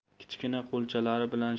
kichkina qo'lchalari bilan